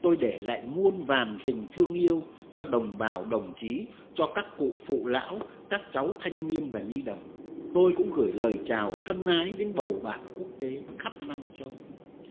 tôi để lại muôn vàn tình thương yêu cho đồng bào đồng chí cho các cụ phụ lão các cháu thanh niên và nhi đồng tôi cũng gửi lời chào thân ái đến bầu bạn quốc tế khắp năm châu